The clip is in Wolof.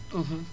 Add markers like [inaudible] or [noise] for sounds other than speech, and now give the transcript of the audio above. [hesitation] [hesitation]